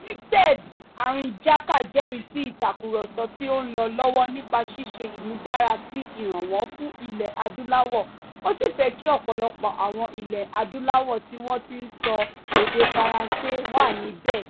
Ní TED, Harinjaka jẹ́rìí sí ìtàkurọ̀sọ̀ tí ó ń lọ lọ́wọ́ nípa ṣíṣe ìmúdárasi ìrànwọ̀ fún ilẹ̀ adúláwò ó sì fẹ́ kí ọ̀pọ̀lọpọ̀ àwọn ilẹ̀ adúláwò tí wọ́n ti ń sọ èdè Faranse wà níbẹ̀.